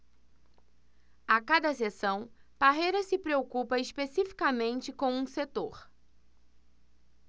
a cada sessão parreira se preocupa especificamente com um setor